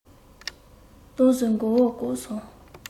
གཏོར ཟོར མགོ བོ བཀོག སོང